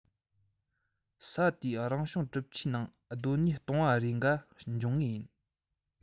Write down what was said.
ས དེའི རང བྱུང གྲུབ ཆའི ནང སྡོད གནས སྟོང བ རེ འགའ འབྱུང ངེས ཡིན